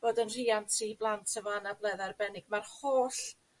fod yn rhiant i blant efo anabledda arbennig ma'r holl